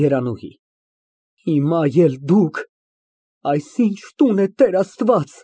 ԵՐԱՆՈՒՀԻ ֊ Հիմա էլ դուք։ Այս ի՞նչ տուն է, Տեր Աստված։